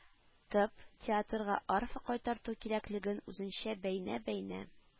Тып, театрга арфа кайтарту кирәклеген үзенчә бәйнә-бәйнә